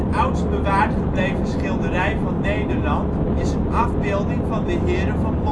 oudst bewaard gebleven schilderij van Nederland is een afbeelding van de Heren van